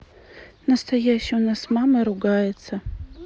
настоящий у нас с мамой ругается